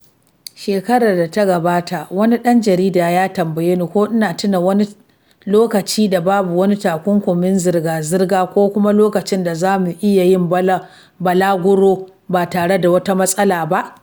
Shekarar da ta gabata, wani ɗan jarida ya tambaye ni ko ina tuna wani lokaci da babu wani takunkumin zirga-zirga ko kuma lokacin da za mu iya yin balaguro ba tare da wata matsala ba.